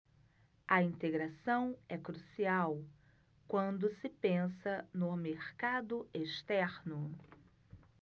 a integração é crucial quando se pensa no mercado externo